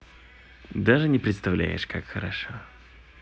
даже не представляешь как хорошо